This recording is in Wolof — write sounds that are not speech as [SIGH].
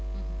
[HESITATION] [HESITATION]